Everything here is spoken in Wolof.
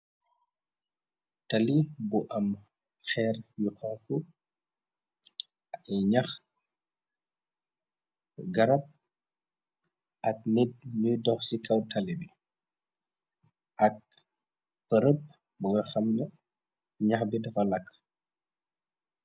Tali bu am xeer yu xonk. Ay ñax garab ak nit ñuy dox ci kaw tali bi ak përeb boo xamna ñax bi dafa làkk.